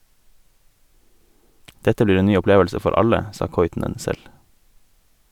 Dette blir en ny opplevelse for alle, sa Kuitunen selv.